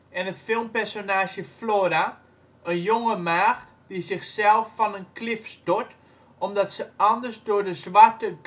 en het filmpersonage Flora, een jonge maagd die zichzelf van een klif stort omdat ze anders door de zwarte